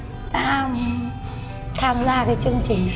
đã tham gia cái chương trình